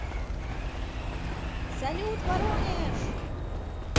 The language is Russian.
салют воронеж